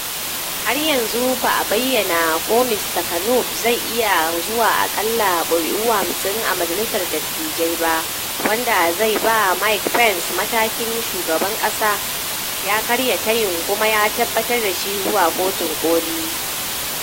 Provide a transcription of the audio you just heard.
Har yanzu ba a bayyana ko Mr Kavanaugh zai iya zuwa akalla kuri'u 50 a Majalisar Dattijai ba, wanda zai ba Mike Pence, mataimakin shugaban kasa, ya karya tayin kuma ya tabbatar da shi zuwa Kotun Koli.